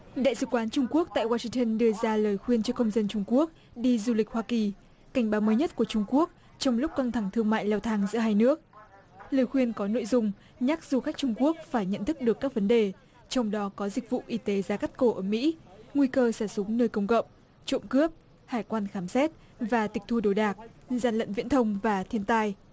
đại sứ quán trung quốc tại oa xinh tơn đưa ra lời khuyên cho công dân trung quốc đi du lịch hoa kỳ cảnh báo mới nhất của trung quốc trong lúc căng thẳng thương mại leo thang giữa hai nước lời khuyên có nội dung nhắc du khách trung quốc phải nhận thức được các vấn đề trong đó có dịch vụ y tế giá cắt cổ ở mỹ nguy cơ sẽ súng nơi công cộng trộm cướp hải quan khám xét và tịch thu đồ đạc gian lận viễn thông và thiên tai